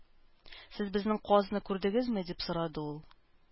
"сез безнең казны күрдегезме" дип сорады ул